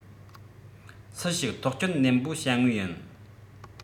སུས ཞིག ཐག གཅོད ནན པོ བྱ ངོས ཡིན